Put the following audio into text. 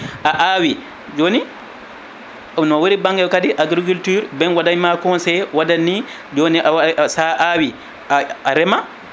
a awi joni ono waɗi banggue kadi agriculture ɓen waɗayma conseillé walla ni joni a way sa awi a reema ko oway continuer